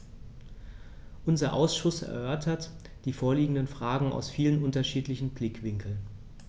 Unser Ausschuss erörtert die vorliegenden Fragen aus vielen unterschiedlichen Blickwinkeln.